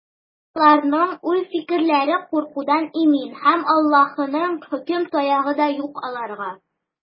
Аларның уй-фикерләре куркудан имин, һәм Аллаһының хөкем таягы да юк аларга.